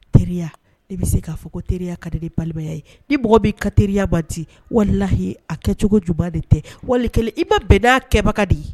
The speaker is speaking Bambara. Teriya ne bɛ se k'a fɔ ko teriya ka deya ye niɔgɔ'i ka teriya banti walilayi a kɛcogo ju de tɛ wali i ba bɛnda kɛbaga de ye